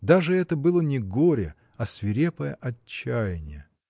Даже это было не горе, а свирепое отчаяние.